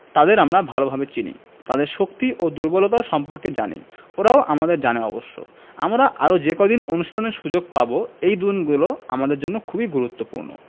তাদের আমরা ভালোভাবে চিনি ওদের শক্তি ও দুর্বলতা সম্পর্কে জানি ওরাও আমাদের জানে অবশ্য আমরা আরও যে কদিন অনুশীলনের সুযোগ পাব এই দিনগুলো আমাদের জন্য খুবই গুরুত্বপূর্ণ